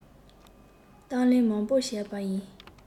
གཏམ གླེང མང པོ བྱས པ ཡིན